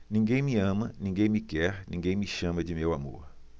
ninguém me ama ninguém me quer ninguém me chama de meu amor